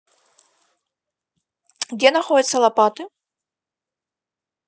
где находится лопаты